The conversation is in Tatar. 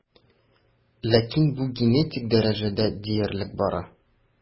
Ләкин бу генетик дәрәҗәдә диярлек бара.